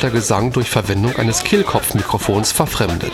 Gesang durch Verwendung eines Kehlkopfmikrofons verfremdet